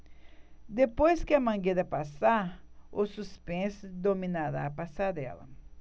depois que a mangueira passar o suspense dominará a passarela